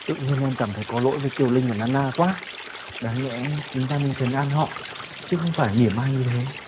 tự nhiên em cảm thấy có lỗi với kiều linh và na na quá đáng nhẽ chúng ta nên trấn an họ chứ không phải mỉa mai như thế